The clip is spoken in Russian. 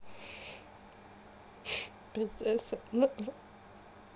принцесса нелла